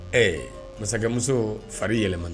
Ɛɛ masakɛmuso fari yɛlɛm